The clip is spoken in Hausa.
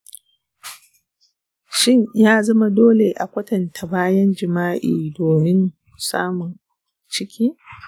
shin ya zama dole a kwanta bayan jima’i domin samun ciki?